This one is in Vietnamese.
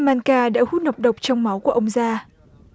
man ca đã hút nọc độc trong máu của ông ra